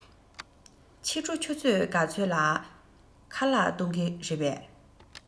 ཕྱི དྲོ ཆུ ཚོད ག ཚོད ལ ཁ ལག གཏོང གི རེད པས